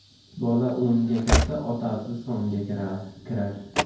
bola o'nga kirsa otasi songa kirar